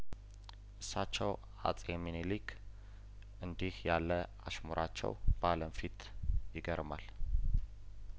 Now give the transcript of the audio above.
እሳቸው ሀጼምኒሊክ እንዲህ ያለ አሽሙራቸው በአለም ፊት ይገርማል